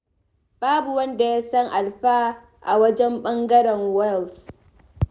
'Babu wanda ya san Alffa a wajen ɓangaren Wales''.